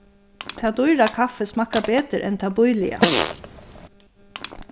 tað dýra kaffið smakkar betur enn tað bíliga